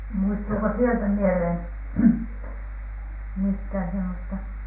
muistuuko sieltä mieleen mitään semmoista